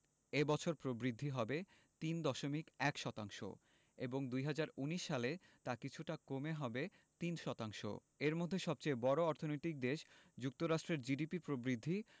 এ বছর প্রবৃদ্ধি হবে ৩.১ শতাংশ এবং ২০১৯ সালে তা কিছুটা কমে হবে ৩ শতাংশ এর মধ্যে সবচেয়ে বড় অর্থনৈতিক দেশ যুক্তরাষ্ট্রের জিডিপি প্রবৃদ্ধি